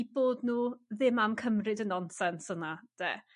'U bod nw ddim am cymryd y nonsens yma 'de?